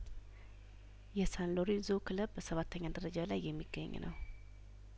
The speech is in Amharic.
የሳንሎሬንዞ ክለብ በሰባተኛ ደረጃ ላይ የሚገኝ ነው